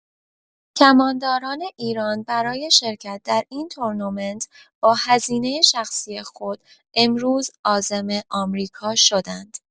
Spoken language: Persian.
کمانداران ایران برای شرکت در این تورنمنت با هزینۀ شخصی خود امروز عازم آمریکا شدند.